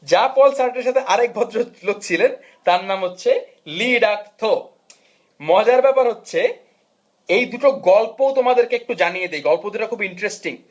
Jean Paul সারট্রের সাথে আরেক ভদ্রলোক ছিলেন তার নাম হচ্ছে লি ডাক থো মজার ব্যাপার হচ্ছে এই দুটো গল্প তোমাদেরকে একটু জানিয়ে দে গল্প দুটো খুব ইন্টারেস্টিং